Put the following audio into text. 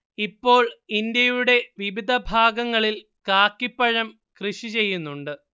ഇപ്പോൾ ഇന്ത്യയുടെ വിവിധ ഭാഗങളിൽ കാക്കിപ്പഴം കൃഷി ചെയ്യുന്നുണ്ട്